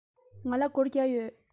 ང ལ སྒོར བརྒྱ ཡོད